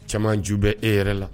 Caman ju bɛ e yɛrɛ la